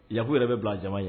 Yaku yɛrɛ bɛ bil'a jama ye